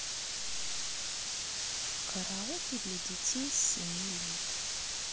караоке для детей с семи лет